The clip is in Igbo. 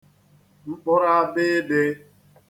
mkpụlụabịịdị̄